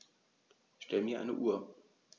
Stell mir eine Uhr.